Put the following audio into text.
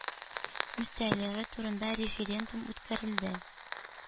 Мөстәкыйльлеге турында референдум үткәрелде.